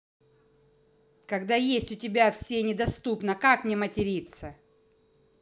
когда есть у тебя все недоступно как мне материться